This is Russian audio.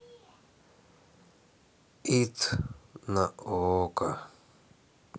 ит на окко